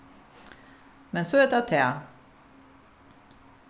men so er tað tað